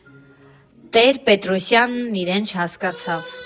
Տեր֊֊Պետրոսյանն իրեն չհասկացավ։